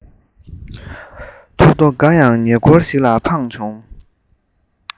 ཐོག རྡོ འགའ ཡང ཉེ འཁོར ཞིག ལ འཕངས བྱུང